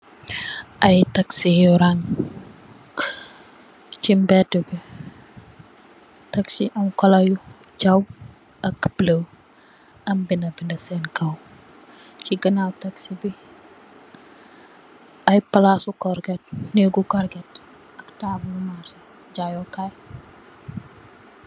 Ay taxi yu rang ci mbedami, taxi yu am kola yu jaw ak bula am bindé bindé sèèn kaw. Ci ganaw taxi bi ay palasu korget nekku korget ak tabull mun si jaayu kay.